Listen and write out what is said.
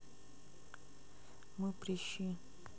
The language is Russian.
мы прыщи